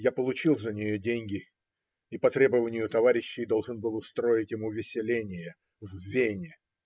Я получил за нее деньги и, по требованию товарищей, должен был устроить им увеселение в "Вене".